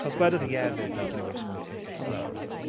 Achos wedodd hi hefyd like you know, "I just want to take it slow."